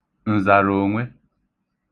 ǹzàròònwe